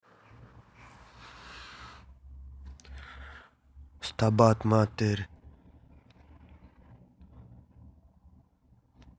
стабат матер